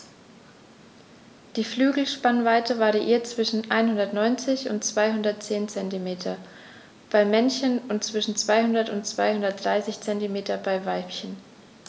Die Flügelspannweite variiert zwischen 190 und 210 cm beim Männchen und zwischen 200 und 230 cm beim Weibchen.